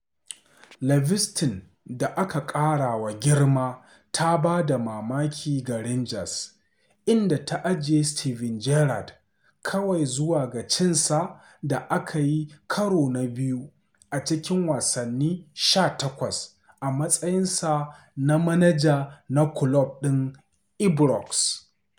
Livingston da aka ƙara wa girma ta ba da mamaki ga Rangers inda ta ajiye Steven Gerrard kawai zuwa ga cinsa da aka yi karo na biyu a cikin wasanni 18 a matsayinsa na manaja na kulob ɗin Ibrox.